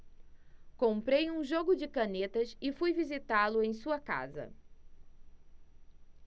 comprei um jogo de canetas e fui visitá-lo em sua casa